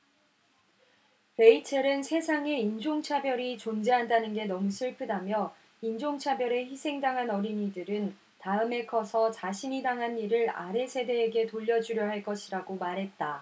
레이첼은 세상에 인종차별이 존재한다는 게 너무 슬프다며 인종차별에 희생당한 어린이들은 다음에 커서 자신이 당한 일을 아래 세대에게 돌려주려 할 것이라고 말했다